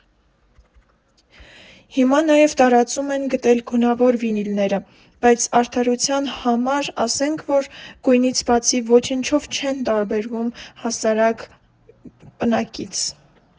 Հիմա նաև տարածում են գտել գունավոր վինիլները, բայց արդարության համար ասենք, որ գույնից բացի ոչնչով չեն տարբերվում հասարակ պնակից։